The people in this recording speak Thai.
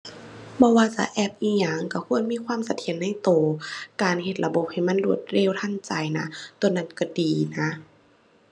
บ่ว่าจะแอปอิหยัง ก็ควรมีความเสถียรในก็ การเฮ็ดระบบให้มันรวดเร็วทันใจน่ะ ก็นั้นก็ดีนะ